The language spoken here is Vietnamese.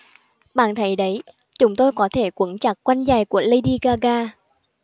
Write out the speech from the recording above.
bạn thấy đấy chúng tôi có thể quấn chặt quanh giày của lady gaga